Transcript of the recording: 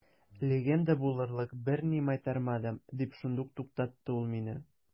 Легенда булырлык берни майтармадым, – дип шундук туктата ул мине.